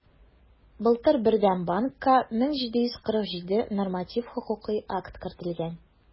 Былтыр Бердәм банкка 1747 норматив хокукый акт кертелгән.